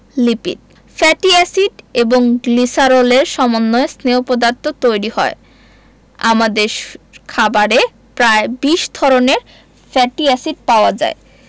lipid fatty acid এবং গ্লিসারলের সমন্বয়ে স্নেহ পদার্থ তৈরি হয় আমাদের খাবারে প্রায় ২০ ধরনের ফ্যাটি এসিড পাওয়া যায়